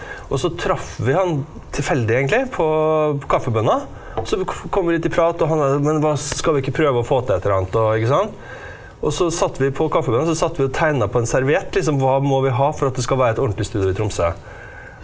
også traff vi han tilfeldig egentlig på Kaffebønna, så vi kom vi litt i prat og han , men hva skal vi ikke prøve å få til etter annet og ikke sant, og så satt vi på Kaffebønna så satt vi og tegna på en serviett liksom, hva må vi ha for at det skal være et ordentlig studio i Tromsø?